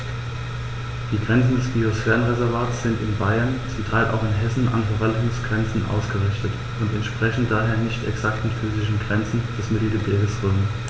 Die Grenzen des Biosphärenreservates sind in Bayern, zum Teil auch in Hessen, an Verwaltungsgrenzen ausgerichtet und entsprechen daher nicht exakten physischen Grenzen des Mittelgebirges Rhön.